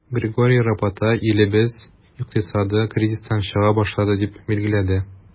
Григорий Рапота, илебез икътисады кризистан чыга башлады, дип билгеләде.